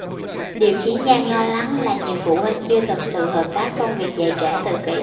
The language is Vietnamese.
điều khiến giang lo lắng là nhiều phụ huynh chưa thực sự hợp tác trong việc dạy trẻ tự kỷ